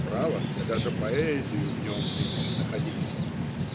право, я даже поэзию в нем нынче находить стал.